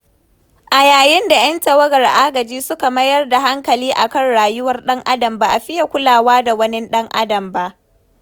A yayin da 'yan tawagar agaji suka mayar da hankali a kan rayuwar ɗan-adam, ba a fiya kulawa da wanin dan-adam ba.